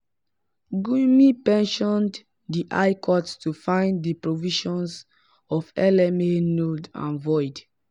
Gyumi petitioned the High Court to find the provisions of LMA null and void.